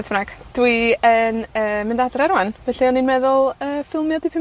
Beth bynnag. Dwi yn yy, mynd adre rŵan, felly o'n i'n meddwl yy ffilmio dipyn